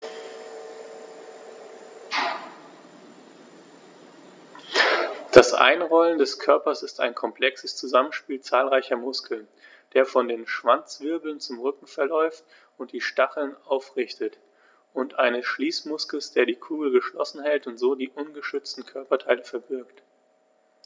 Das Einrollen des Körpers ist ein komplexes Zusammenspiel zahlreicher Muskeln, der von den Schwanzwirbeln zum Rücken verläuft und die Stacheln aufrichtet, und eines Schließmuskels, der die Kugel geschlossen hält und so die ungeschützten Körperteile verbirgt.